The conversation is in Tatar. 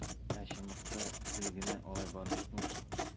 Ә чынлыкта гел генә алай барып чыкмый шул.